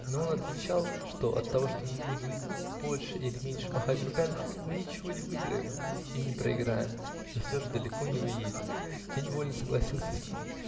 но он отвечал, что оттого, что мы будем больше или меньше махать руками, мы ничего не выиграем и не проиграем и все же далеко не уедем. Я невольно согласился с ним.